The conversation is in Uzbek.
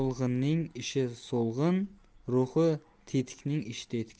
ruhi tetikning ishi tetik